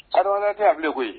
Ha tɛ abu koyi